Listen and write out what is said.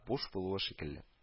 Буш булуы шикле